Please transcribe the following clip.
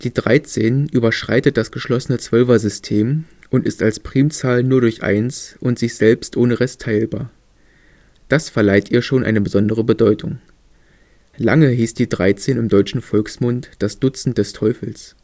13 überschreitet das geschlossene Zwölfersystem und ist als Primzahl nur durch eins und sich selbst ohne Rest teilbar. Das verleiht ihr schon eine besondere Bedeutung. Lange hieß die 13 im deutschen Volksmund das „ Dutzend des Teufels